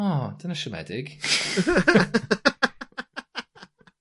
o dyna siomedig.